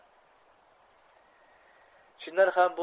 chindan ham